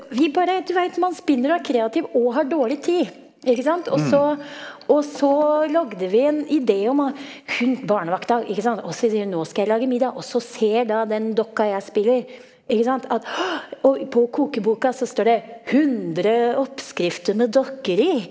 vi bare, du veit man spinner av kreativ og har dårlig tid ikke sant, også også lagde vi en idé om at hun barnevakta ikke sant også sier hun, nå skal jeg lage middag, også ser da den dokka jeg spiller ikke sant at å og på kokeboka så står det 100 oppskrifter med dokker i.